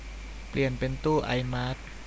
เปลี่ยนเป็นตู้ไอมาส